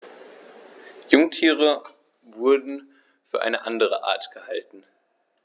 Jungtiere wurden für eine andere Art gehalten.